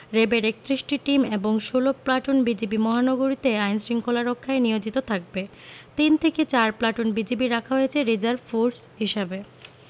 র ্যাবের ৩১টি টিম এবং ১৬ প্লাটুন বিজিবি মহানগরীতে আইন শৃঙ্খলা রক্ষায় নিয়োজিত থাকবে তিন থেকে চার প্লাটুন বিজিবি রাখা হয়েছে রিজার্ভ ফোর্স হিসাবে